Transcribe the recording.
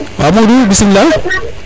waw Modou bisimila